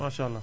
maasàllaa